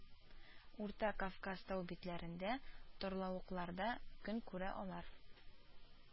Урта Кавказ тау битләрендә, тарлавыкларда көн күрә алар